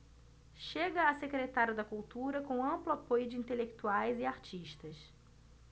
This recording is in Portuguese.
chega a secretário da cultura com amplo apoio de intelectuais e artistas